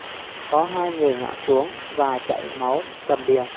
có hai người ngã xuống và chảy máu đầm đìa